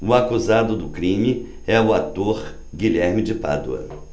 o acusado do crime é o ator guilherme de pádua